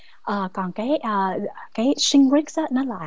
ờ còn cai sinh guých nó là